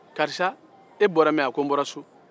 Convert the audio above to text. karisa e bɔra min a ko n bɔra so